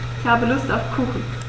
Ich habe Lust auf Kuchen.